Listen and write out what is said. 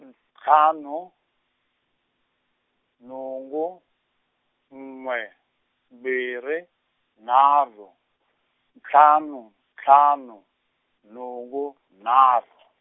ntlhanu nhungu n'we mbirhi nharhu ntlhanu ntlhanu nhungu nharhu.